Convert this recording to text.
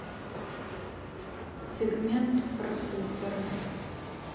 сегмент процессоров